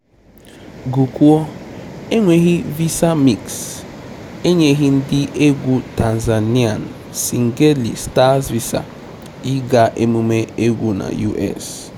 Gụkwuo: Enweghị Visa Mix: Enyeghị ndị egwu Tanzanian singeli Stars visa ị ga emume egwu na US.